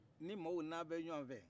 ni maaw n'aw bɛ ɲwan fɛ